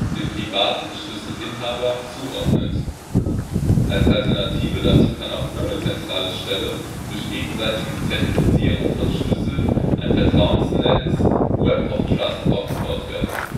dem privaten Schlüssel (inhaber) zuordnet. Als Alternative dazu kann auch ohne zentrale Stelle durch gegenseitiges Zertifizieren von Schlüsseln ein Vertrauensnetz (Web of Trust) aufgebaut werden